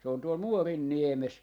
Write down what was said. se on tuolla Muorinniemessä